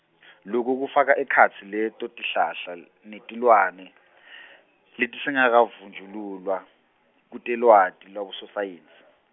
loku kufaka ekhatsi leto tihlahla l-, netilwane , letisengakavunjululwa, kutelwati lwabososayensi.